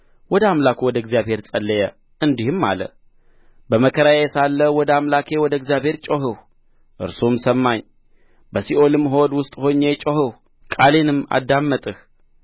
ወደ አምላኩ ወደ እግዚአብሔር ጸለየ እንዲህም አለ በመከራዬ ሳለሁ ወደ አምላኬ ወደ እግዚአብሔር ጮኽሁ እርሱም ሰማኝ በሲኦልም ሆድ ውስጥ ሆኜ ጮኽሁ ቃሌንም አዳመጥህ